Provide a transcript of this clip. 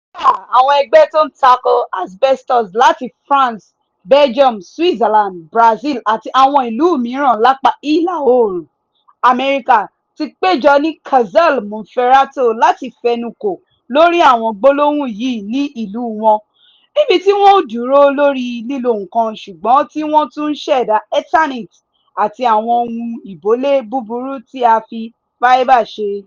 Kódà, àwọn ẹgbẹ́ tó ń takò asbestos láti France, Belgium, Switzerland, Brazil àti àwọn ìlú míràn lápa Ìlà-Oòrùn Amẹ́ríkà ti péjọ ní Casale Monferrato láti fẹnukò lórí àwọn gbólóhùn yìí ní ìlú wọn, níbi tí wọ́n ò dúró lórí lílo nìkan ṣùgbọ́n tí wọ́n tún ń ṣẹ̀da Eternit àti àwọn ohun ìbolé búburú tí a fi fáíbà ṣe.